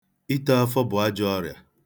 Ito afọ bụ ajọ ọrịa.